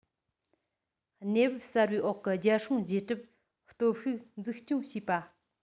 གནས བབ གསར པའི འོག གི རྒྱལ སྲུང རྗེས གྲབས སྟོབས ཤུགས འཛུགས སྐྱོང བྱེད པ